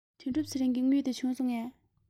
དོན གྲུབ ཚེ རིང གི དངུལ དེ བྱུང སོང ངས